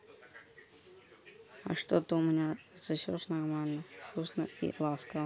а что ты у меня отсосешь нормально вкусно и ласково